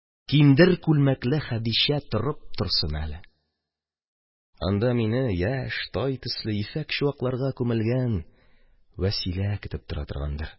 Киндер күлмәкле Хәдичә торып торсын әле, анда мине, яшь тай төсле, ефәк чукларга күмелгән Вәсилә көтеп тора торгандыр.